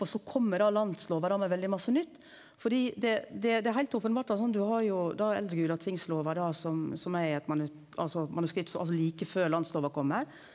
og så kjem da landslova da med veldig masse nytt fordi det det det er heilt openbert at sånn du har jo da Eldre Gulatingslova da som som er i eit altså manuskript som altså like før Landslova kjem.